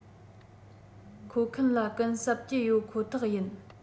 མཁོ མཁན ལ གུན གསབ ཀྱི ཡོད ཁོ ཐག ཡིན